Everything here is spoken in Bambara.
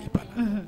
I ba